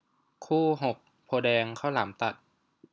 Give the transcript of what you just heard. คู่หกโพธิ์แดงข้าวหลามตัด